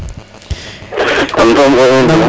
jam so xemu men